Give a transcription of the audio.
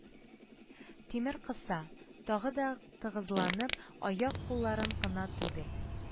Тимер кыса тагы да тыгызланып, аяк-кулларын гына түгел,